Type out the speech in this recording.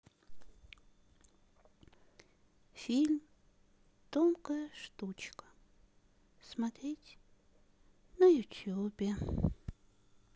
фильм тонкая штучка смотреть на ютубе